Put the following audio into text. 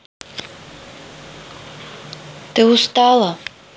ты устала